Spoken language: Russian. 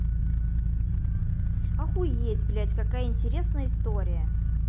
охуеть блядь какая интересная история